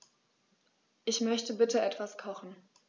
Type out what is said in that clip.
Ich möchte bitte etwas kochen.